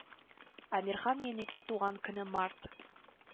Әмирхан еники туган көне март